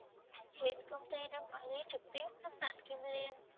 hiện công ty đang quản lý trực tiếp khách sạn kim liên